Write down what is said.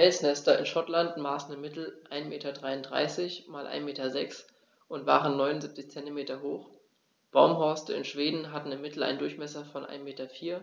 Felsnester in Schottland maßen im Mittel 1,33 m x 1,06 m und waren 0,79 m hoch, Baumhorste in Schweden hatten im Mittel einen Durchmesser von 1,4 m